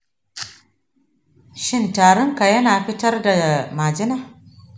shin tarinka yana fitar da majina?